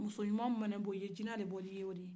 musoɲuma mana bɔ i ye jinɛ de bɔra i ye o ye